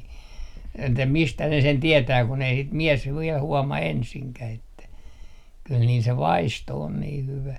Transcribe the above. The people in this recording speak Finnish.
että mistä ne sen tietää kun ei sitä mies vielä huomaa ensinkään että kyllä niillä se vaisto on niin hyvä